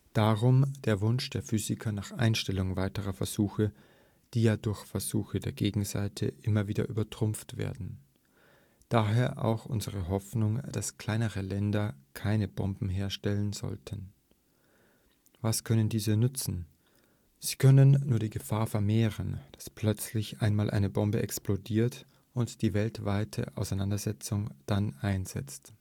Darum der Wunsch der Physiker nach Einstellung weiterer Versuche, die ja durch Versuche der Gegenseite immer wieder übertrumpft werden. Daher auch unsere Hoffnung, dass kleinere Länder keine Bomben herstellen sollten. Was können diese nützen? Sie können nur die Gefahr vermehren, dass plötzlich einmal eine Bombe explodiert und die weltweite Auseinandersetzung dann einsetzt